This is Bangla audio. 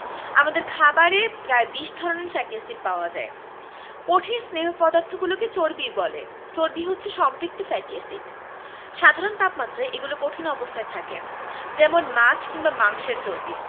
আমাদের খাবারে প্রায় ২০ ধরনের ফ্যাটি এসিড পাওয়া যায় কঠিন স্নেহ পদার্থগুলোকে চর্বি বলে চর্বি হচ্ছে সম্পৃক্ত ফ্যাটি এসিড সাধারণ তাপমাত্রায় এগুলো কঠিন অবস্থায় থাকে যেমন মাছ কিংবা মাংসের চর্বি